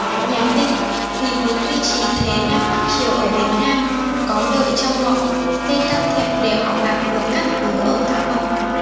nhà minh vì muốn duy trì thế nam bắc triều ở việt nam có lợi cho họ nên can thiệp để họ mạc được cát cứ ở cao bằng